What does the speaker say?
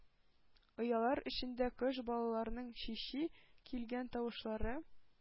Оялар эчендә кош балаларының “чи-чи” килгән тавышлары